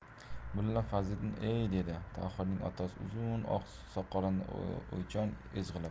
mulla fazliddin ey dedi tohirning otasi uzun oq soqolini o'ychan ezg'ilab